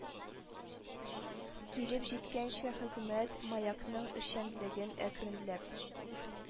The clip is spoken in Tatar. Килеп җиткәнче, хөкүмәт «маяк»ның эшчәнлеген әкренләп